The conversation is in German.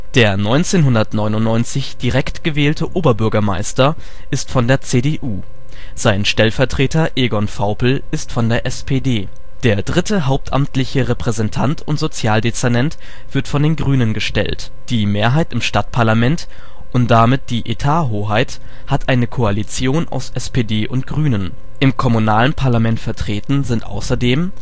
Der 1999 direkt gewählte Oberbürgermeister ist von der CDU, sein Stellvertreter Egon Vaupel ist von derSPD. Der dritte hauptamtliche Repräsentant und Sozialdezernent wird von den Grünen gestellt. Die Mehrheit im Stadtparlament und damit die Etathoheit hat eine Koalition aus SPD und Grünen. Im kommunalen Parlament vertreten sind außerdem